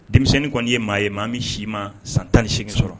Denmisɛnnin kɔni ye maa ye maa m insi ma san tan ni seegin sɔrɔ